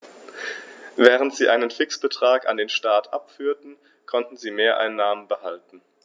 Während sie einen Fixbetrag an den Staat abführten, konnten sie Mehreinnahmen behalten.